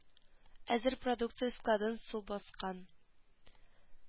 Әзер продукция складын су баскан